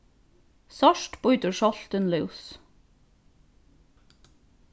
sárt bítur soltin lús